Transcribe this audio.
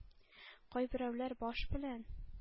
Кайберәүләр баш белән,